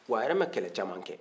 wa a yɛrɛ ma kɛlɛ caman kɛ